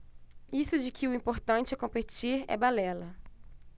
isso de que o importante é competir é balela